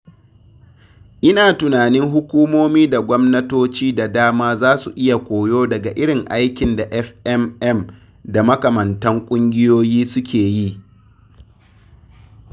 Ina tunanin hukumomi da gwamnatoci da dama za su iya koyo daga irin aikin da FMM da makamantan ƙungiyoyi suke yi.